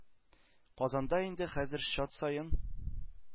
Казанда инде хәзер чат саен